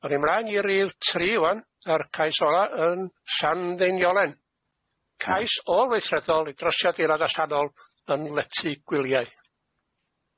A ni mlaen i rif tri ŵan o'r cais ola yn Llanddeiniolen, cais ôl-weithredol drosiad eilad allanol yn lety gwyliau.